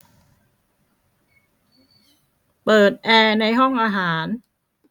เปิดแอร์ในห้องอาหาร